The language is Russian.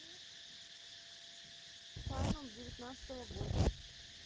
final девятнадцатого года